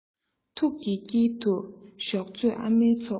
ཐུགས ཀྱི དཀྱིལ དུ ཞོག མཛོད ཨ མའི ཚོགས